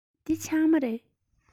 འདི ཕྱགས མ རེད